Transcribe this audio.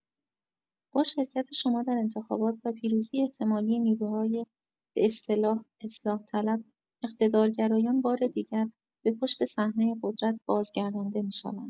با شرکت شما در انتخابات و پیروزی احتمالی نیروهای به اصطلاح اصلاح‌طلب، اقتدارگرایان بار دیگر به پشت‌صحنه قدرت بازگردانده می‌شوند.